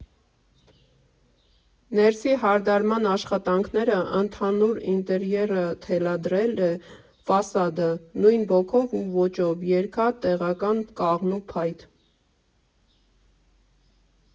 Ներսի հարդարման աշխատանքները, ընդհանուր ինտերերը թելադրել է ֆասադը՝ նույն ոգով ու ոճով՝ երկաթ, տեղական կաղնու փայտ։